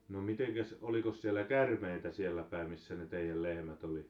no mitenkäs olikos siellä käärmeitä siellä päin missä ne teidän lehmät oli